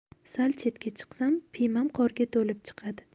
sal chetga chiqsam piymam qorga to'lib chiqadi